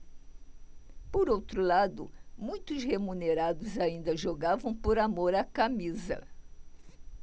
por outro lado muitos remunerados ainda jogavam por amor à camisa